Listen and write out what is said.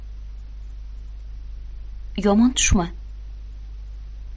yomon tushmi